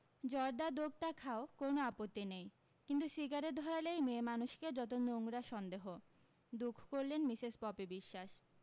জর্দা দোক্তা খাও কোনো আপত্তি নেই কিন্তু সিগারেট ধরালেই মেয়েমানুষকে যত নোংরা সন্দেহ দুখ করলেন মিসেস পপি বিশ্বাস